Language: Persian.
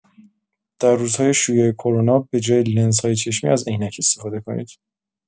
در روزهای شیوع کرونا به‌جای لنزهای چشمی از عینک استفاده کنید؛